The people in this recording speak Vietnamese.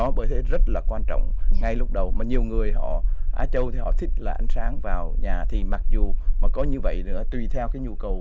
đó bởi thế rất là quan trọng ngay lúc đầu mà nhiều người họ á châu họ thích là ánh sáng vào nhà thì mặc dù mà có như vậy tùy theo cái nhu cầu